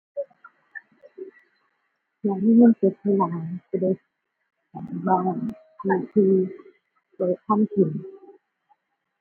อยากมีเงินเก็บหลายหลายสิได้สร้างบ้าน ซื้อที่ สิได้ทำกิน